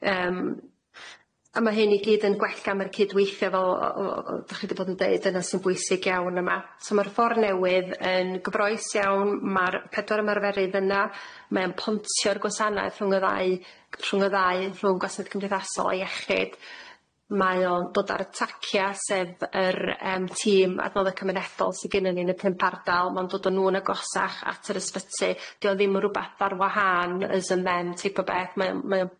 yym a ma' hyn i gyd yn gwella' ma'r cydweithio' o- o- o- o- dach chi di bod yn deud dyna sy'n bwysig iawn yma so ma'r ffor newydd yn gyffroes iawn ma'r pedwar ymarferydd yna mae o'n pontio'r gwasaneth rhwng y ddau rhwng y ddau rhwng gwasanaeth cymdeithasol a iechyd mae o'n dod ar y tacia sef yr yym tîm adnodde cymunedol sy gennon ni yn y pump ardal ma'n dod o nw'n agosach at yr ysbyty dio ddim yn rwbath ar wahân as in them type o beth mae o'n